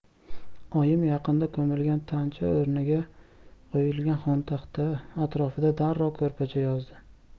oyim yaqinda ko'milgan tancha o'rniga qo'yilgan xontaxta atrofiga darrov ko'rpacha yozdi